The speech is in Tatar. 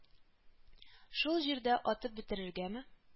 Шул җирдә атып бетерергәме